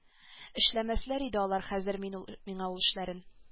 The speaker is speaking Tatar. Эшләмәсләр инде алар хәзер миңа ул эшләрен